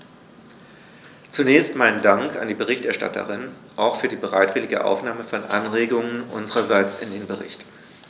Zunächst meinen Dank an die Berichterstatterin, auch für die bereitwillige Aufnahme von Anregungen unsererseits in den Bericht.